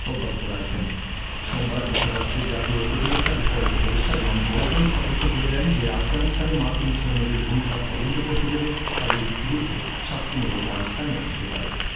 অব্যাহত রাখবেন সোমবার যুক্তরাষ্ট্রের জাতীয় প্রতিরক্ষা বিষয়ক উপদেষ্টা জন বোল্টন সতর্ক করে দেন যে আফগানিস্তানে মার্কিন সৈন্যদের ভূমিকা তদন্ত করতে গেলে তাদের বিরুদ্ধে শাস্তিমুলক ব্যবস্থা নেয়া হতে পারে